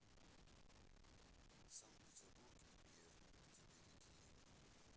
санкт петербург и пермь о тебе какие